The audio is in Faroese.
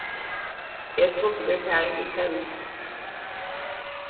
eg skuldi verið farin við selmu